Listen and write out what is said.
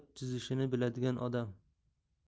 chizishini biladigan odam